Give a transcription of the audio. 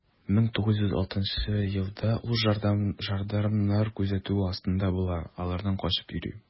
1906 елда ул жандармнар күзәтүе астында була, алардан качып йөри.